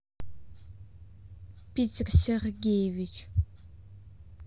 питер сергеевич